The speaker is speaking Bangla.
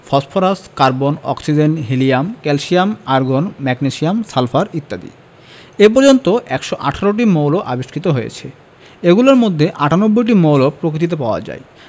phosphorus carbon oxygen helium calcium argon magnesium sulphur ইত্যাদি এ পর্যন্ত ১১৮টি মৌল আবিষ্কৃত হয়েছে এগুলোর মধ্যে ৯৮টি মৌল প্রকৃতিতে পাওয়া যায়